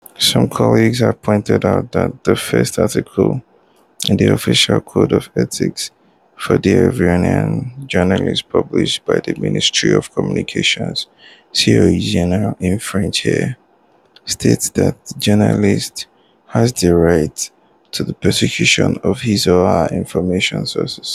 Some colleagues have pointed out that the first article in the official Code of Ethics for the Ivorian Journalist published by the Ministry of Communications (see original in French here) states that “the journalist has the right to the protection of his/her information sources”.